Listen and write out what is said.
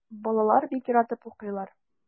Балалар бик яратып укыйлар.